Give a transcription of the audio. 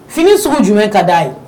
Fini sugu jumɛn ka d' a ye